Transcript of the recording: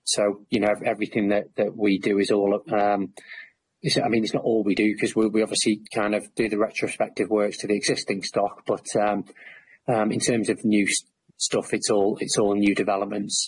so you know, ev- everything that that we do is all erm it's a- ... I mean it's not all we do, 'cause we're we obviously kind of do the retrospective works to the existing stock, but erm erm in terms of new s- stuff it's all- it's all new developments.